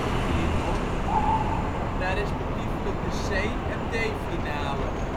manier door naar respectievelijk de C en D-finale